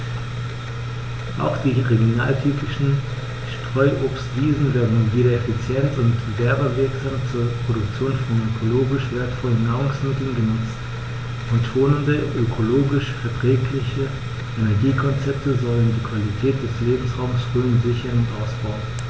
Auch die regionaltypischen Streuobstwiesen werden nun wieder effizient und werbewirksam zur Produktion von ökologisch wertvollen Nahrungsmitteln genutzt, und schonende, ökologisch verträgliche Energiekonzepte sollen die Qualität des Lebensraumes Rhön sichern und ausbauen.